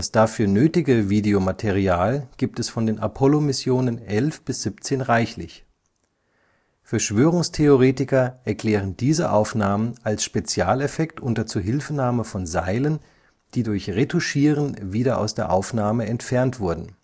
dafür nötige Videomaterial gibt es von den Apollo-Missionen 11 bis 17 reichlich. Verschwörungstheoretiker erklären diese Aufnahmen als Spezialeffekt unter Zuhilfenahme von Seilen, die durch Retuschieren wieder aus der Aufnahme entfernt wurden